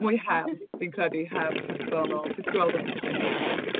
Mwy her dwi'n credu. Her personol. Jyst gweld os alla i... ie. ...wneud e.